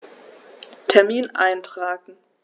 Termin eintragen